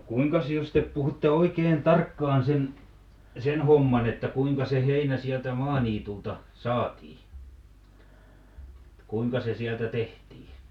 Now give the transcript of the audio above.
no kuinkas jos te puhutte oikein tarkkaan sen sen homman että kuinka se heinä sieltä maaniityltä saatiin että kuinka se sieltä tehtiin